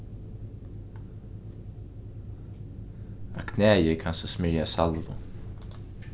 á knæið kanst tú smyrja salvu